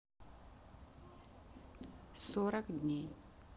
сорок дней